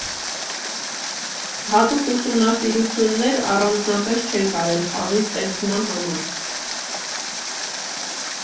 Հատուկ ուսումնասիրություններ առանձնապես չենք արել խաղի ստեղծման համար։